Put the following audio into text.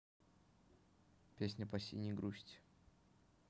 песня по синей грусти